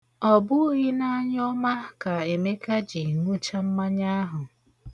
Ọ bụghị n'anyọọma ka Emeka ji ṅụcha mmanya ahụ.